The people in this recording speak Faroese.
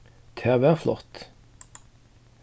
tað var flott